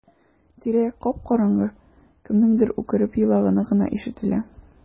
Тирә-як кап-караңгы, кемнеңдер үкереп елаганы гына ишетелә.